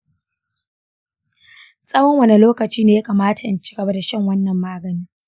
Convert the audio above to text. tsawon wane lokaci ne ya kamata in ci gaba da shan wannan maganin?